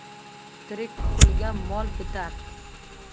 tirik qulga mol bitar